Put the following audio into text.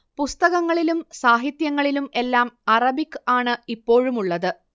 പുസ്തകങ്ങളിലും സാഹിത്യങ്ങളിലും എല്ലാം അറബിക് ആണ് ഇപ്പോഴുമുള്ളത്